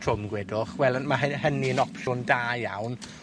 trwm gwedwch, wel yn, ma' hyn- hyyny yn opsiwn da iawn.